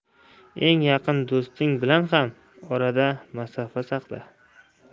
eng yaqin do'sting bilan ham orada masofa saqla